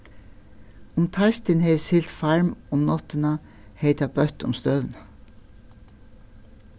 um teistin hevði siglt farm um náttina hevði tað bøtt um støðuna